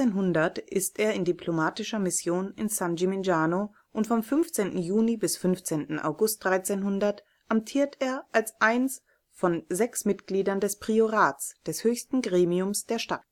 1300 ist er in diplomatischer Mission in San Gimignano, und vom 15. Juni bis 15. August 1300 amtiert er als eines von sechs Mitgliedern des Priorats, des höchsten Gremiums der Stadt